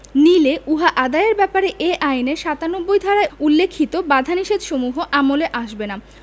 নিলে উহা আদায়ের ব্যাপারে এ আইনের ৯৭ ধারায় উল্লেখিত বাধানিষেধসমূহ আমলে আসবেনা